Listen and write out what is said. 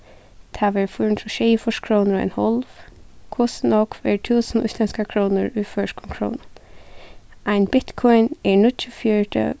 tað verður fýra hundrað og sjeyogfýrs krónur og ein hálv hvussu nógv er túsund íslendskar krónur í føroyskum krónum ein bitcoin er níggjuogfjøruti